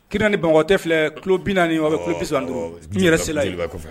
Kirina ni Bamakɔ cɛ filɛ kilo 40 kilo 35 n yɛrɛ sera yen ɔwɔ joliba kɔfɛ